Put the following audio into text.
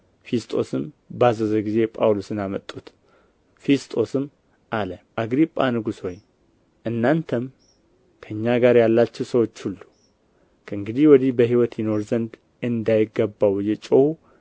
ፊስጦስም ባዘዘ ጊዜ ጳውሎስን አመጡት ፊስጦስም አለ አግሪጳ ንጉሥ ሆይ እናንተም ከእኛ ጋር ያላችሁ ሰዎች ሁሉ ከእንግዲህ ወዲህ በሕይወት ይኖር ዘንድ እንዳይገባው እየጮኹ